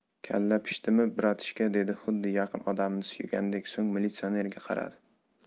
kalla pishdimi bratishka dedi xuddi yaqin odamini suygandek so'ng militsionerga qaradi